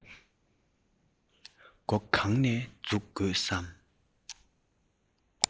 མགོ གང ནས འཛུགས དགོས སམ